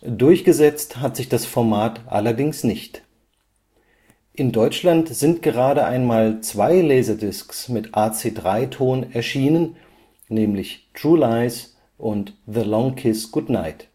Durchgesetzt hat sich das Format allerdings nicht – in Deutschland sind gerade einmal zwei Laserdiscs mit AC3-Ton erschienen (True Lies und The Long Kiss Goodnight